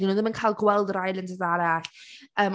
Dan nhw ddim yn cael gweld yr islanders arall.